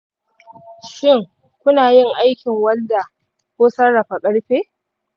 shin kuna yin aikin walda ko sarrafa ƙarfe?